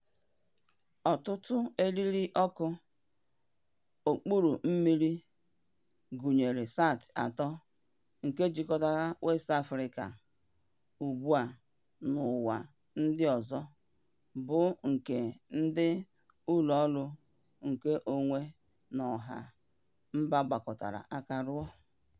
Ọtụtụ eririọkụ okpuru mmiri, gụnyere SAT-3 nke jikọtara West Africa ugbua n'ụwa ndị ọzọ, bụ nke ndị ụlọọrụ nkeonwe na ọha (mba) gbakọtara aka rụọ.